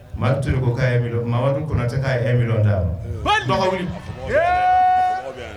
Maari tun ko mamarinatɛ k' e mi ta ba dɔgɔ